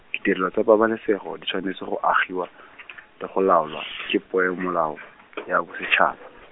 ditirelo tsa pabalesego di tshwanetse go agiwa , le go laolwa, ke peomolao, ya bosetšhaba.